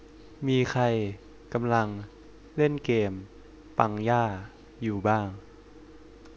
มีใครกำลังเล่นเกมปังย่าอยู่บ้าง